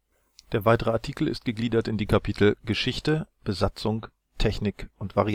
1,4 m